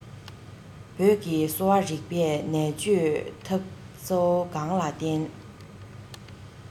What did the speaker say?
བོད ཀྱི གསོ བ རིགས པས ནད བཅོས ཐབས གཙོ བོ གང ལ བརྟེན